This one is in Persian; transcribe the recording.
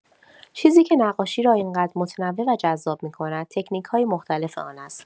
چیزی که نقاشی را این‌قدر متنوع و جذاب می‌کند، تکنیک‌های مختلف آن است؛